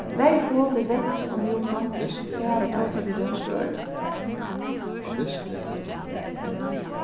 verj hol í veggjum og múrum til kaðlar og rør